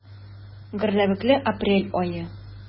Гөрләвекле апрель ае.